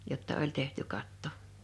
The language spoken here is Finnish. jotta oli tehty katto